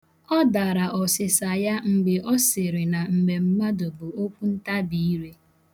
Ọ dara ọsịsa ya mgbe ọ sịrị na mmemmadu bụ okwuntabiire.